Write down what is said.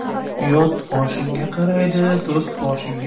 yot oshingga qaraydi do'st boshingga